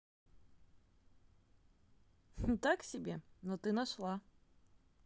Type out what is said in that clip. так себе но ты нашла